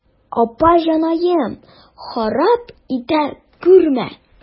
Апа җаныем, харап итә күрмә.